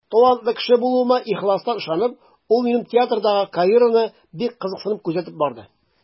Талантлы кеше булуыма ихластан ышанып, ул минем театрдагы карьераны бик кызыксынып күзәтеп барды.